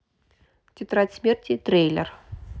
тетрадь смерти трейлер